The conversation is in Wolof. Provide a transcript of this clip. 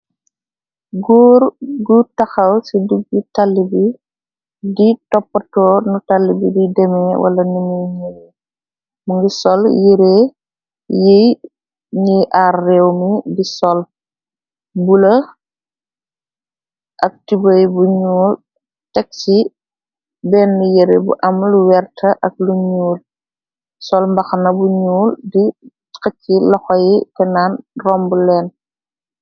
Góur gu taxaw ci duggi talli bi, di toppato nu talli bi di demee, wala nimuy ñire, mu ngi sol yeree yi ñiy aar réew mi di sol, bula ak tubey bu ñuul, teg ci benn yere bu amal werta, ak lu ñuul, sol mbaxna bu ñuul, di xëcci laxoy kenaan romb leen.